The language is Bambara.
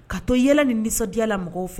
Ka to i yɛlɛ ni nisɔndiyala mɔgɔw fɛ